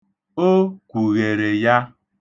O kwughere ya.